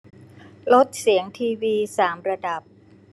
ลดเสียงทีวีสามระดับ